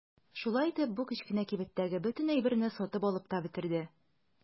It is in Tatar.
Шулай итеп бу кечкенә кибеттәге бөтен әйберне сатып алып та бетерде.